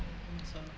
am na solo